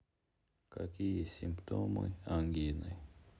какие симптомы ангины